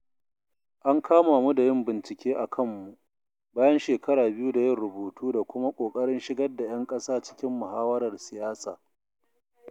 An kama mu da yin bincike a kanmu, bayan shekara biyu da yin rubutu da kuma ƙoƙarin shigar da 'yan ƙasa cikin muhawarar siyasa.